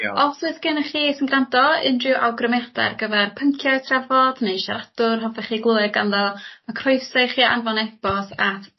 Diolch. ...os oes gennych chi sy'n grando unryw awgrymiada ar gyfer pyncie i trafod neu siadwr hoffech chi glywed ganddo ma' croso i chi anfon e-bost at...